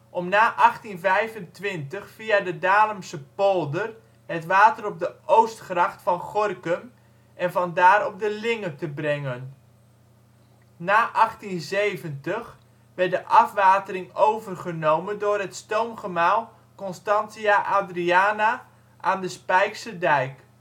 om na 1825 via de Dalemse polder het water op de Oostgracht van Gorinchem en vandaar op de Linge te brengen. Na 1870 werd de afwatering overgenomen door het stoomgemaal Constantia Adriana aan de Spijkse dijk